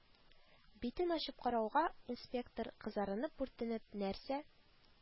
Битен ачып карауга, инспектор, кызарынып-бүртенеп, нәрсә